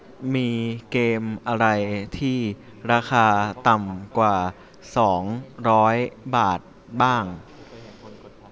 มีเกมอะไรที่ราคาต่ำกว่าสองร้อยบาทบ้าง